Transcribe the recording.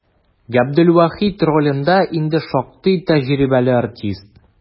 Габделвахит ролендә инде шактый тәҗрибәле артист.